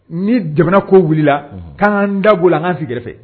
Ni jamana ko wulila kan' da bolo a an'an fii kɛrɛfɛ fɛ